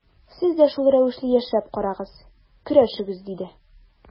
Сез дә шул рәвешле яшәп карагыз, көрәшегез, диде.